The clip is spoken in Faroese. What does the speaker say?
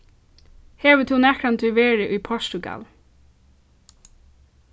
hevur tú nakrantíð verið í portugal